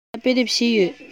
ང ལ དཔེ དེབ བཞི ཡོད